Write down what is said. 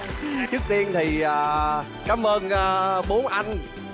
trước tiên thì ờ cám ơn ơ bốn anh